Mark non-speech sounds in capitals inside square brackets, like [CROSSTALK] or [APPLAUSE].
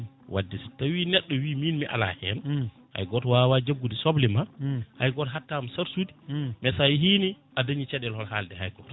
wadde so tawi neɗɗo wi min mi ala hen [SMACKS LIPS] hay goto wawa jaggude soblema [SMACKS LIPS] hay goto hattama charge ude [SMACKS LIPS] nden sa yeehine adañi caɗele woto haalde hay goto